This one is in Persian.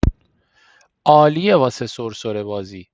عالیه واسه سرسره‌بازی!